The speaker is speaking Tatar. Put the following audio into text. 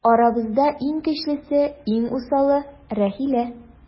Арабызда иң көчлесе, иң усалы - Рәхилә.